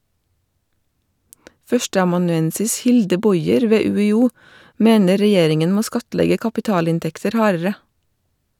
Førsteamanuensis Hilde Bojer ved UiO mener regjeringen må skattlegge kapitalinntekter hardere.